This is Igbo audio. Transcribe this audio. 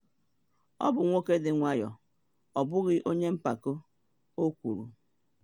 “Ọ bụ nwoke dị nwayọ, ọ bụghị onye mpako,” o kwuru.